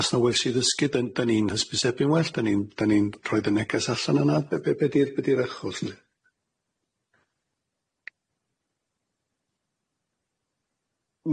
Os 'na wers i ddysgu 'dan 'dan ni'n hysbysebu'n well 'dan ni'n 'dan ni'n rhoid y neges allan yna be- be- be- be' di'r be' di'r achos lly?